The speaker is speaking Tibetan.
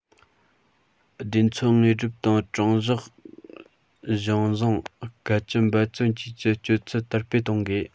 བདེན འཚོལ དངོས སྒྲུབ དང དྲང གཞག གཞུང བཟང དཀའ སྤྱད འབད བརྩོན བཅས ཀྱི སྤྱོད ཚུལ དར སྤེལ གཏོང དགོས